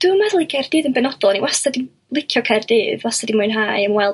Dwi'm yn meddwl i Gaerdydd yn benodol oni wastad 'di licio Caerdydd wastad wedi mwynhau ymweld